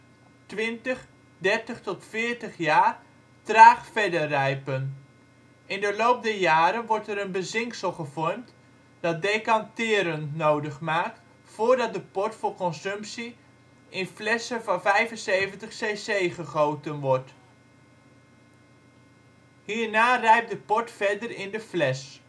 30 tot 40 jaar traag verder rijpen. In de loop der jaren wordt er een bezinksel gevormd dat decanteren nodig maakt voordat de port voor consumptie in flessen van 75 cc overgegoten worden. Hierna rijpt de port verder in de fles